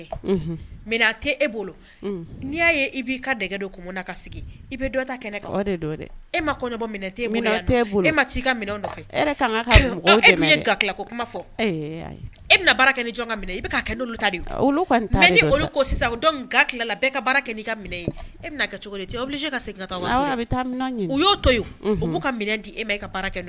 E ka nɔfɛ kuma fɔ e bɛna baara kɛ jɔn ka minɛ i kɛ n ta sisanla kɛ ka e bɛna kɛ cogo ka u y' to ka minɛ